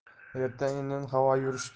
erta indin havo yurishib